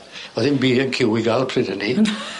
O'dd 'im Bee and Queue i ga'l pryd hynny. Na!